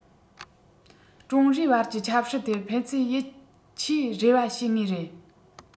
ཀྲུང རིའི དབར གྱི ཆབ སྲིད ཐད ཕན ཚུན ཡིད ཆེས རེ བ བྱེད ངེས རེད